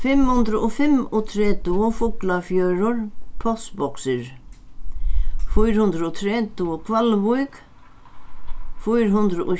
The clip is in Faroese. fimm hundrað og fimmogtretivu fuglafjørður postboksir fýra hundrað og tretivu hvalvík fýra hundrað og